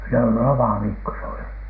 no lomaviikko se oli